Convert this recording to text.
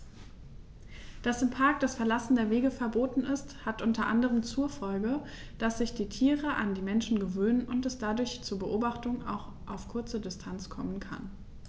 Dass im Park das Verlassen der Wege verboten ist, hat unter anderem zur Folge, dass sich die Tiere an die Menschen gewöhnen und es dadurch zu Beobachtungen auch auf kurze Distanz kommen kann.